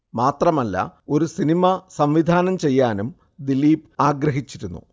മാത്രമല്ല ഒരു സിനിമ സംവിധാനം ചെയ്യാനും ദിലീപ് ആഗ്രഹിച്ചിരുന്നു